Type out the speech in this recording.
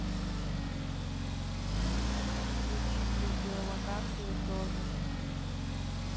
включите геолокацию тоже